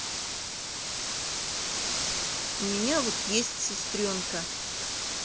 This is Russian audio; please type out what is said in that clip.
у меня вот есть сестренка